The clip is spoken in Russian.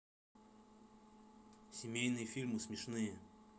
семейные фильмы смешные